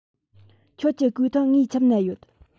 ཁྱོད ཀྱི གོས ཐུང ངའི ཁྱིམ ན ཡོད